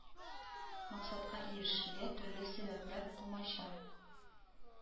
Максатка ирешергә төрле сәбәпләр комача